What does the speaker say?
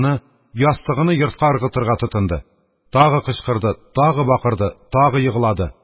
Ястыгыны йортка ыргытырга тотынды, тагы кычкырды, тагы бакырды, тагы еглады